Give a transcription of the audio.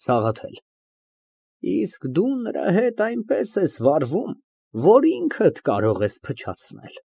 ՍԱՂԱԹԵԼ ֊ Իսկ դու նրա հետ այնպես ես վարվում, որ ինքդ կարող ես փչացնել։